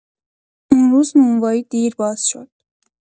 اون روز نونوایی دیر باز شد.